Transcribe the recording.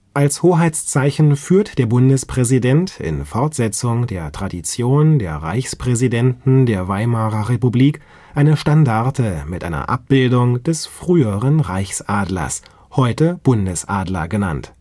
Als Hoheitszeichen führt der Bundespräsident – in Fortsetzung der Tradition der Reichspräsidenten der Weimarer Republik – eine Standarte mit einer Abbildung des früheren Reichsadlers, heute Bundesadler genannt